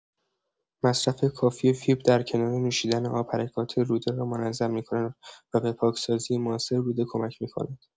مصرف کافی فیبر در کنار نوشیدن آب، حرکات روده را منظم می‌کند و به پاکسازی موثر روده کمک می‌کند.